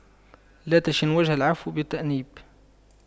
لا تشن وجه العفو بالتأنيب